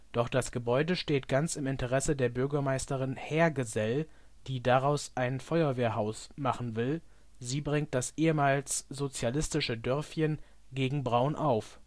Doch das Gebäude steht ganz im Interesse der Bürgermeisterin Herrgesell, die daraus ein Feuerwehrhaus machen will, sie bringt das ehemals sozialistische Dörfchen gegen Braun auf